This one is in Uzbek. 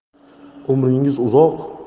umringiz uzoq